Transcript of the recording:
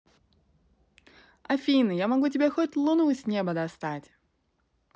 афина я могу тебе хоть луну с неба достать